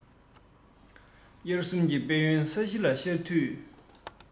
དབྱར གསུམ གྱི དཔལ ཡོན ས གཞི ལ ཤར དུས